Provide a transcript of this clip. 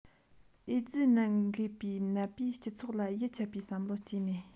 ཨེ ཙི འགོས ནད འགོས པའི ནད པས སྤྱི ཚོགས ལ ཡིད ཆད པའི བསམ བློ སྐྱེས ནས